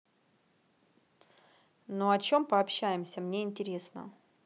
ну о чем пообщаемся мне интересно